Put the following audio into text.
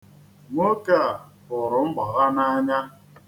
Nwoke a hụrụ mgbagha n'anya.